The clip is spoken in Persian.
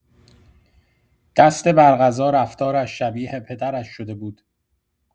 دست بر قضا رفتارش شبیه پدرش شده بود.